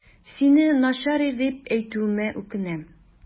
Сине начар ир дип әйтүемә үкенәм.